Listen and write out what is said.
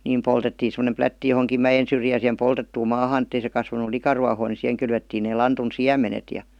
niin poltettiin semmoinen plätti johonkin mäen syrjään siihen poltettuun maahan että ei se kasvanut likaruohoa niin siihen kylvettiin ne lantun siemenet ja